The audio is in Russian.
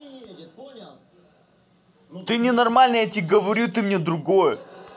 ты ненормальный я тебе говорю ты мне другое